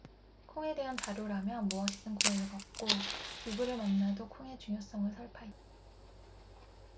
콩에 대한 자료라면 무엇이든 구해 읽었고 누구를 만나도 콩의 중요성을 설파했다